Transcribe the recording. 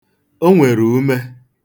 O nwere ume.